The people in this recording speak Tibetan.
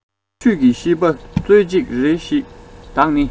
འཚོ བཅུད ཀྱི ཤིས པ སྩོལ ཅིག རེ ཞིག བདག ནི